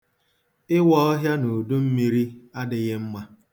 Ịwa ọhịa n'udummiri adịghị mma.